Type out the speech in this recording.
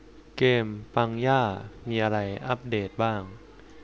เกมปังย่ามีอะไรอัปเดตบ้าง